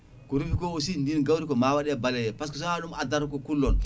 ko ruufi ko aussi ndin gawri koma waɗe balayer par ce que sowona ɗum addata ko kullon